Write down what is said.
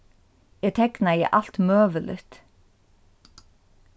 eg teknaði alt møguligt